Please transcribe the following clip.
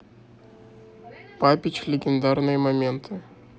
папич легендарные моменты